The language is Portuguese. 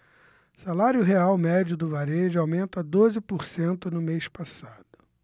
salário real médio do varejo aumenta doze por cento no mês passado